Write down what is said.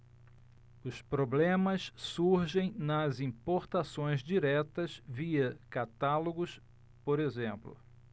os problemas surgem nas importações diretas via catálogos por exemplo